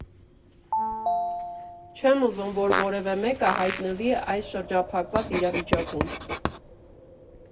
Չեմ ուզում, որ որևէ մեկը հայտնվի այս շրջափակված իրավիճակում։